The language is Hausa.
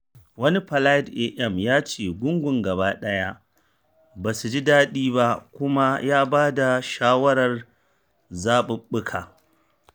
Wani Plaid AM ya ce gungun gaba ɗaya “ba su ji daɗi ba” kuma ya ba da shawarar zaɓuɓɓuka.